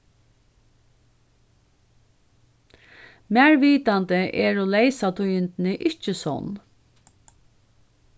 mær vitandi eru leysatíðindini ikki sonn